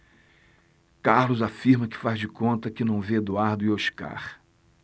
carlos afirma que faz de conta que não vê eduardo e oscar